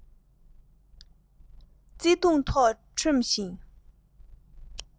བརྩེ དུངས ཁྲོད འཐིམས ཤིང